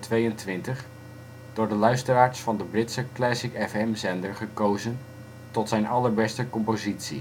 622) door de luisteraars van de Britse Classic FM-zender gekozen tot zijn allerbeste compositie